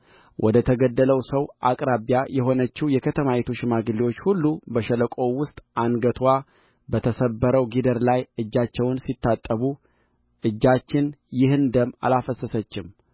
ወደ ተገደለው ሰው አቅራቢያ የሆነችው የከተማይቱ ሽማግሌዎች ሁሉ በሸለቆው ውስጥ አንገትዋ በተሰበረው ጊደር ላይ እጃቸውን ሲታጠቡ እጃችን ይህን ደም አላፈሰሰችም